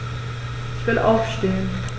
Ich will aufstehen.